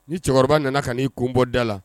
Ni cɛkɔrɔba nana ka n'i kun bɔda la